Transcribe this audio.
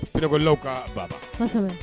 Pinɛkɔlilaw ka baba kɔsɛbɛ